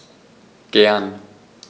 Gern.